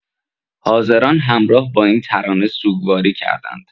حاضران همراه با این ترانه سوگواری کردند.